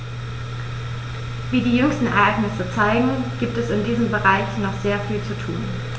Wie die jüngsten Ereignisse zeigen, gibt es in diesem Bereich noch sehr viel zu tun.